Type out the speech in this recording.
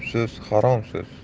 ko'p so'z harom so'z